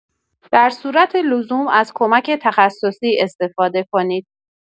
در صورت لزوم از کمک تخصصی استفاده کنید.